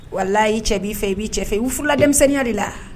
Walah'i cɛ b'i fɛ i b'i cɛ fɛ u furula denmisɛnniya de la a